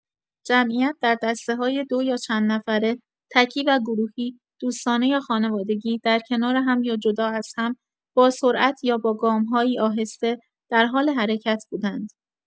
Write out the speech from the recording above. جمعیت در دسته‌های دو یا چندنفره، تکی و گروهی، دوستانه یا خانوادگی، در کنار هم یا جدا از هم، با سرعت یا با گام‌هایی آهسته، درحال حرکت بودند.